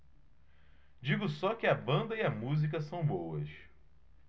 digo só que a banda e a música são boas